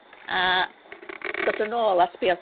A dod yn ôl at be' o'dd...